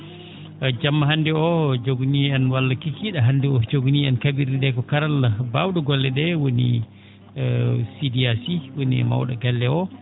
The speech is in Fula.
ha jamma hannde oo joganii en walla kiikii?e hannde oo joganii en ka?ir?e ?ee ko karalla baaw?o golle ?ee woni Sidy Yaya Sy woni maw?o galle oo